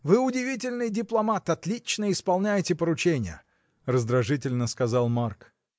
Вы удивительный дипломат, отлично исполняете поручения! — раздражительно сказал Марк.